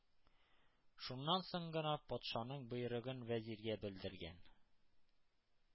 Шуннан соң гына патшаның боерыгын вәзиргә белдергән.